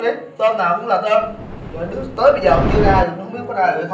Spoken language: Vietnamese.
tôm nào cũng là tôm giờ đứng tới bây giờ chưa ra được không biết có ra được